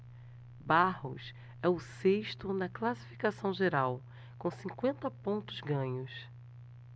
barros é o sexto na classificação geral com cinquenta pontos ganhos